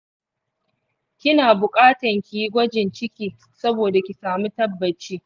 kina buƙatan kiyi gwajin ciki saboda ki samu tabbaci.